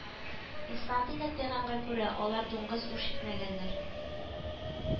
Ислам дине тыйганга күрә, алар дуңгыз үрчетмәгәннәр